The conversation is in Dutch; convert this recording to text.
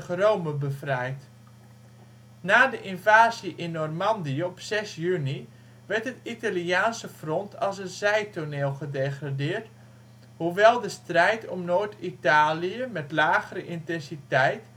Rome bevrijd. Na de invasie in Normandië op 6 juni werd het Italiaanse front tot een zijtoneel gedegradeerd, hoewel de strijd om Noord-Italië met lagere intensiteit